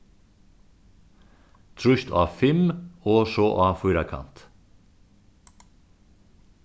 trýst á fimm og so á fýrakant